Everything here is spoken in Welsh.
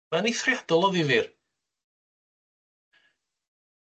Mae'n eithriadol o ddifyr.